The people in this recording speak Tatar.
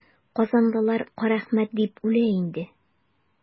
Казанлылар Карәхмәт дип үлә инде.